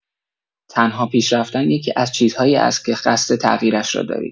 تنها پیش‌رفتن یکی‌از چیزهایی است که قصد تغییرش را دارید.